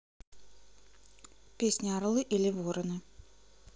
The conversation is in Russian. песня орлы или вороны